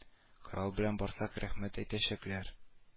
Корал белән барсак рәхмәт әйтәчәкләр